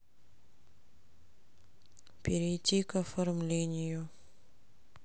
перейти к оформлению